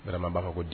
Ba ko di